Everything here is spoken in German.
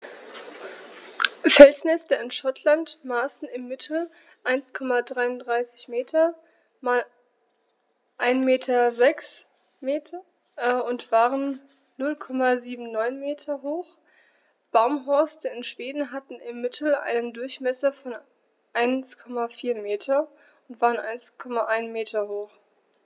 Felsnester in Schottland maßen im Mittel 1,33 m x 1,06 m und waren 0,79 m hoch, Baumhorste in Schweden hatten im Mittel einen Durchmesser von 1,4 m und waren 1,1 m hoch.